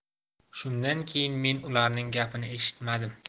shundan keyin men ularning gapini eshitmadim